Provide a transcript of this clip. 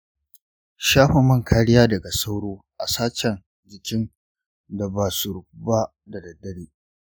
shafa man kariya daga sauro a sachen jikin da ba su rufu ba da daddare.